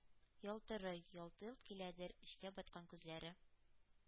Ялтырый, ялт-йолт киләдер эчкә баткан күзләре,